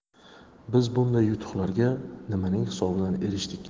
biz bunday yutuqlarga nimaning hisobidan erishdik